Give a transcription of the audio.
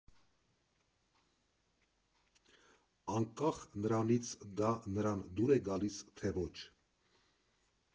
Անկախ նրանից դա նրան դուր գալիս է, թե ոչ։